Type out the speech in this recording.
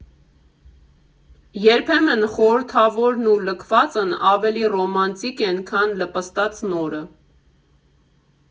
Երբեմն խորհրդավորն ու լքվածն ավելի ռոմանտիկ են, քան լպստած նորը։